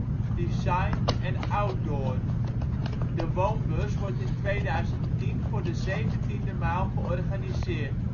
en Outdoor. De woonbeurs wordt in 2010 voor de zeventiende maal georganiseerd